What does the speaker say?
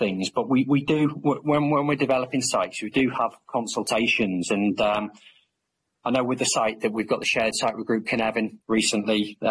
things but we we do when when we're developing sites we do have consultations and um I know with the site that we've got the shared site with group Cynefin recently,